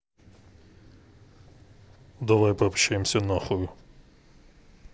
давай пообщаемся нахуй